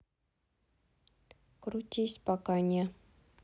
крутись пока не